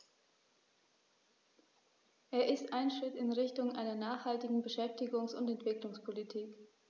Er ist ein Schritt in Richtung einer nachhaltigen Beschäftigungs- und Entwicklungspolitik.